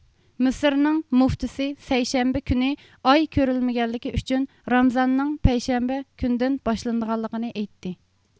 مىسىرنىڭ مۇفتىسى سەيشەنبە كۈنى ئاي كۆرۈلمىگەنلىكى ئۈچۈن رامزاننىڭ پەيشەنبە كۈندىن باشلىنىدىغانلىقىنى ئېيتتى